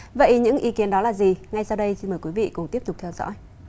vậy những ý kiến đó là gì ngay sau đây xin mời quý vị cũng tiếp tục theo dõi